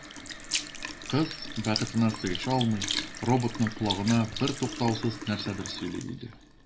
Кыз, бәхетенә сыеша алмый, роботның колагына бертуктаусыз нәрсәдер сөйли иде.